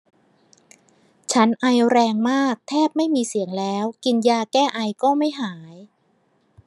ฉันไอแรงมากแทบไม่มีเสียงแล้วกินยาแก้ไอก็ไม่หาย